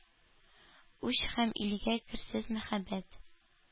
Үч һәм илгә керсез мәхәббәт.